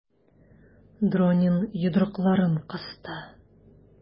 Доронин йодрыкларын кысты.